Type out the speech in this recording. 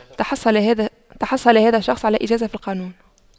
تحصل هذا تحصل هذا الشخص على إجازة في القانون